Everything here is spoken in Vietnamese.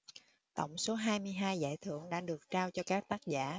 tổng số hai mươi hai giải thưởng đã được trao cho các tác giả